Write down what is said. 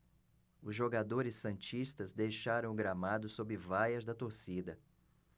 os jogadores santistas deixaram o gramado sob vaias da torcida